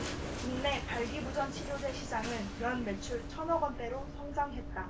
국내 발기부전치료제 시장은 연 매출 천 억원대로 성장했다